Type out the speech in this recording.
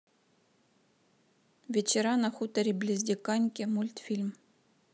вечера на хуторе близ диканьки мультфильм